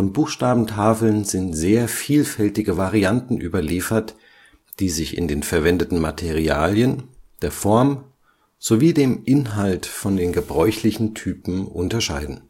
Buchstabentafeln sind sehr vielfältige Varianten überliefert, die sich in den verwendeten Materialien, der Form sowie dem Inhalt von den gebräuchlichen Typen unterscheiden